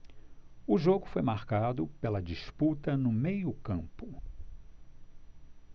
o jogo foi marcado pela disputa no meio campo